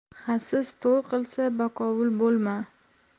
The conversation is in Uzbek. xasis to'y qilsa bakovul bo'lma